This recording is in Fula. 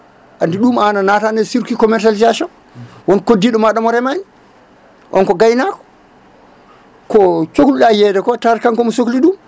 andi ɗum an a natani e * commercialisation won koddiɗo ma mo remani on ko gaynako ko cohluɗa yeyde ko tawat kanko omo sohli ɗum